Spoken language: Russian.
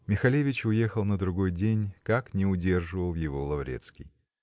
Михалевич уехал на другой день, как ни удерживал его Лаврецкий.